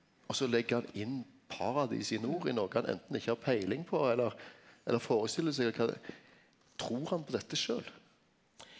og så legg han inn paradis i nord i Noreg han enten ikkje har peiling på eller eller førestiller seg at kva trur han på dette sjølv?